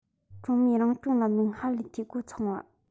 གྲོང མིའི རང སྐྱོང ལམ ལུགས སྔར ལས འཐུས སྒོ ཚང བ